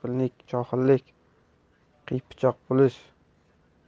xudbinlik johillik qiypichoq bo'lish